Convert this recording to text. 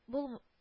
Булм